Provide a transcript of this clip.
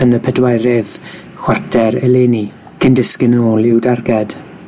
yn y pedwerydd chwarter eleni, cyn disgyn yn ôl i'w darged.